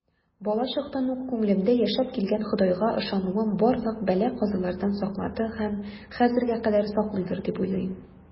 Балачактан ук күңелемдә яшәп килгән Ходайга ышануым барлык бәла-казалардан саклады һәм хәзергә кадәр саклыйдыр дип уйлыйм.